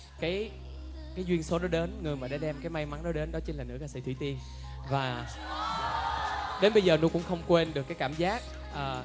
cái cái duyên số đến người mà đã đem cái may mắn đã đến đó chính là nữ ca sĩ thủy tiên và đến bây giờ nu cũng không quên được cái cảm giác ờ